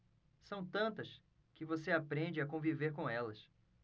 são tantas que você aprende a conviver com elas